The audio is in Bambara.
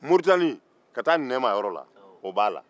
moritani ka taa nɛma yɔrɔ la o b'a la